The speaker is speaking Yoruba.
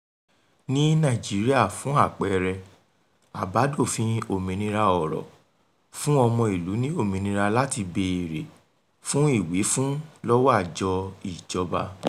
Ní Nàìjíríà, fún àpẹẹrẹ, Àbádòfin Òmìnira Ọ̀rọ̀ fún ọmọ ìlú ní òmìnira láti béèrè fún ìwífun lọ́wọ́ àjọ ìjọba.